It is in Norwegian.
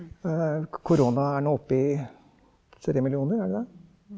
korona er nå oppe i tre millioner, er det det?